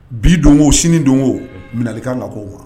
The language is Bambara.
Bi don oo sini don o minali ka ka koo ma